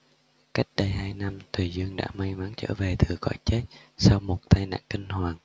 cách đây hai năm thùy dương đã may mắn trở về từ cõi chết sau một tai nạn kinh hoàng